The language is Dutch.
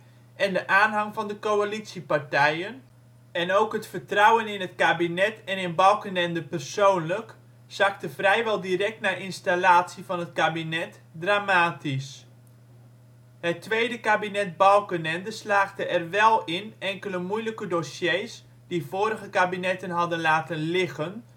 en de aanhang van de partijen in het kabinet, als ook het vertrouwen in het kabinet en in Balkenende persoonlijk, zakte vrijwel direct na installatie van het kabinet dramatisch. Het tweede kabinet Balkenende slaagde er wel in enkele moeilijke dossiers die vorige kabinetten hadden laten liggen